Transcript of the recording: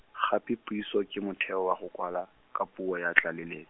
gape puiso ke motheo wa go kwala, ka puo ya tlalele.